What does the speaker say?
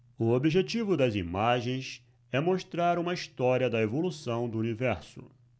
o objetivo das imagens é mostrar uma história da evolução do universo